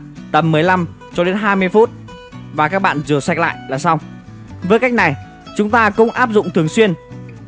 trên da tầm cho đến phút và các bạn rửa sạch lại là xong với cách này thì chúng ta cũng áp dụng thường xuyên